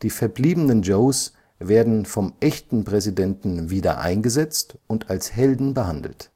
verbliebenen Joes werden vom echten Präsidenten wieder eingesetzt und als Helden behandelt